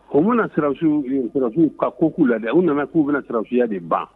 O mana sirasuw ye surasiw ka ko k'u la dɛ u nana k'u bena surasiya de ban